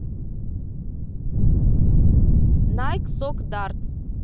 найк сок дарт